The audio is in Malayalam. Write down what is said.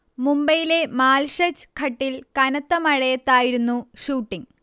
മുംബൈയിലെ മാൽഷജ് ഘട്ടിൽ കനത്ത മഴത്തായിരുന്നു ഷൂട്ടിങ്ങ്